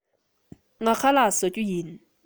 ངས ཁ ལག བཟས མེད